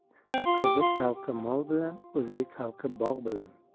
qirg'iz xalqi mol bilan o'zbek xalqi bog' bilan